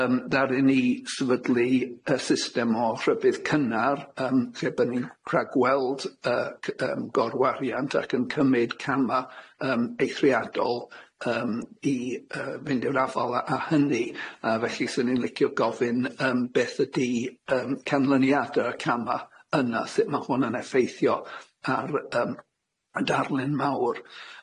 Yym ddaru ni sefydlu y system o rhybudd cynnar yym lle by' ni'n rhagweld yy c- yym gorwariant ac yn cymyd camau yym eithriadol yym i yy fynd i'r afael â â hynny, a felly 'swn i'n licio gofyn yym beth ydy yym canlyniadau y cama' yna, sut ma' hwn yn effeithio ar yym y darlun mawr?